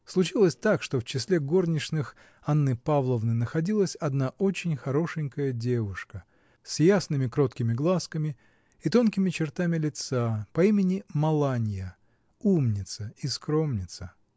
Случилось так, что в числе горничных Анны Павловны находилась одна очень хорошенькая девушка, с ясными, кроткими глазками и тонкими чертами лица, по имени Маланья, умница и скромница.